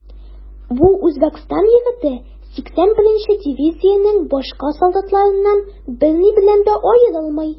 Бу Үзбәкстан егете 81 нче дивизиянең башка солдатларыннан берни белән дә аерылмый.